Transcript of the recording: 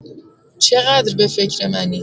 چقدر به فکر منی؟